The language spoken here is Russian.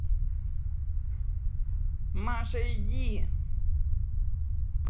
маша иди